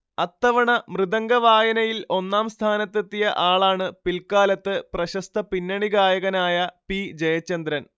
അത്തവണ മൃദംഗവായനയിൽ ഒന്നാം സ്ഥാനത്തെത്തിയ ആളാണ് പിൽക്കാലത്ത് പ്രശസ്ത പിന്നണി ഗായകനായ പി ജയചന്ദ്രൻ